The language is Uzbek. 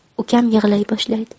ukam yig'lay boshlaydi